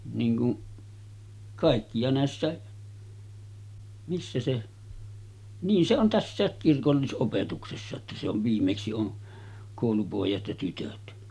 niin kuin kaikki ja näissäkin missä se niin se on tässäkin kirkollisopetuksessa että se on viimeksi on koulupojat ja -tytöt